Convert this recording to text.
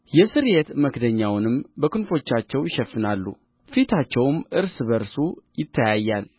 የስርየት መክደኛውንም በክንፎቻቸው ይሸፍናሉ ፊታቸውም እርስ በርሱ ይተያያል